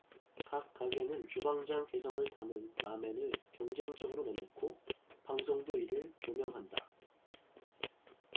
각 가게는 주방장 개성을 담은 라멘을 경쟁적으로 내놓고 방송도 이를 조명한다